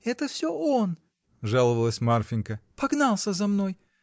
— Это всё он, — жаловалась Марфинька, — погнался за мной!